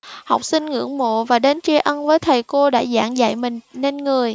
học sinh ngưỡng mộ và đến tri ân với thầy cô đã giảng dạy mình nên người